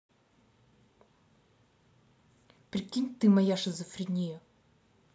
прикинь ты моя шизофрения